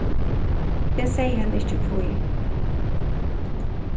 eg segði henni ikki hví